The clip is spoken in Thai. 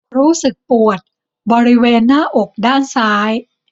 รู้สึกปวดบริเวณหน้าอกด้านซ้าย